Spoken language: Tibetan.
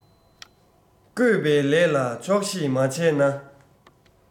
བཀོད པའི ལས ལ ཆོག ཤེས མ བྱས ན